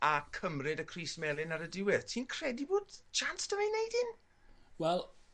a cymryd y crys melyn ar y diwedd ti'n credu bod chance 'da fe i neud 'yn? Wel